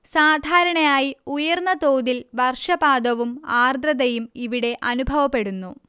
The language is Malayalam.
സാധാരണയായി ഉയർന്ന തോതിൽ വർഷപാതവും ആർദ്രതയും ഇവിടെ അനുഭവപ്പെടുന്നു